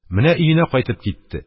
Менә өенә кайтып китте.